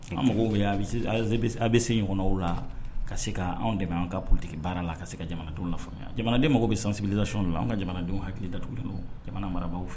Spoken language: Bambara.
Mɔgɔw a bɛ sew la ka se k anw dɛmɛ an ka ptigi baara la ka se ka jamanadenwya jamanaden bɛ sansigida s don an ka jamanadenw hakili da tuguni don jamana marabagaw fɛ